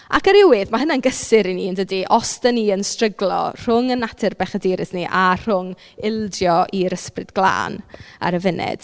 Ac ar ryw wedd ma' hynna'n gysur i ni yn dydy, os dan ni yn stryglo rhwng ein natur bechadurus ni a rhwng ildio i'r Ysbryd Glân ar y funud.